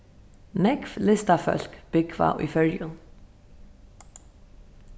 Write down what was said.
nógv listafólk búgva í føroyum